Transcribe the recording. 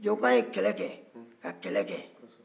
jɔka ye kɛlɛ kɛ ka kɛlɛ kɛ